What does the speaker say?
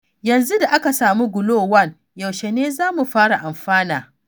Yanzu da aka samu Glo-1, yaushe ne za mu fara amfana?